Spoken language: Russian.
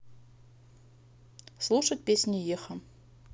слушать песни еха